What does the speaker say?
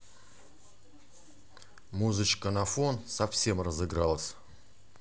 музычка на фон